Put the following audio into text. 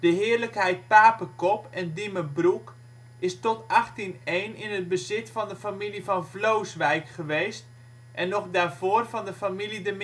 heerlijkheid Papekop en Diemerbroek is tot 1801 in het bezit van de familie van Vlooswijck geweest en nog daarvoor van de familie De Merode